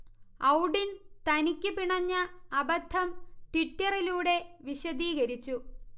ഔഡിൻ തനിക്ക് പിണഞ്ഞ അബദ്ധം ട്വിറ്ററിലൂടെ വിശദീകരിച്ചു